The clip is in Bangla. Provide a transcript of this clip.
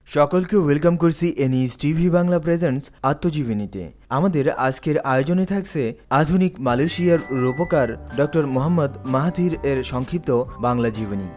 সকলকে ওয়েলকাম করছি N H D Bangla present আত্মজীবনীতে আমাদের আজকের আয়োজনে থাকছে আধুনিক মালয়েশিয়ার রূপকার ড মোহাম্মদ মাহাথিরের সংক্ষিপ্ত বাংলা জীবনী